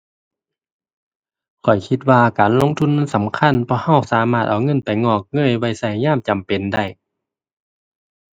ข้อยคิดว่าการลงทุนมันสำคัญ เพราะเราสามารถเอาเงินไปงอกเงยไว้เรายามจำเป็นได้